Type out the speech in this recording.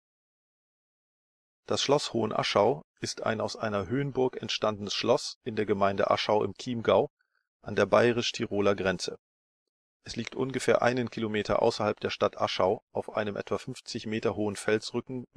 Das Schloss Hohenaschau ist ein aus einer Höhenburg entstandenes Schloss in der Gemeinde Aschau im Chiemgau an der bayerisch-Tiroler Grenze. Es liegt ungefähr einen Kilometer außerhalb der Stadt Aschau auf einem etwa 50 m hohen Felsrücken